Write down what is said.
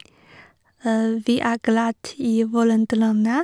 Vi er glad i hverandre lenge.